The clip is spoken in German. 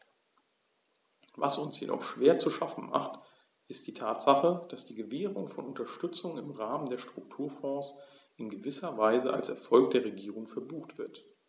Was uns jedoch schwer zu schaffen macht, ist die Tatsache, dass die Gewährung von Unterstützung im Rahmen der Strukturfonds in gewisser Weise als Erfolg der Regierung verbucht wird.